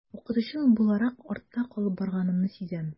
Укытучы буларак артта калып барганымны сизәм.